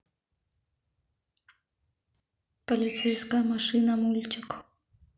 полицейская машинка мультик